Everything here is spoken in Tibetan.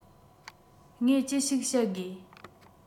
ངས ཅི ཞིག བཤད དགོས